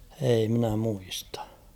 ei minä muista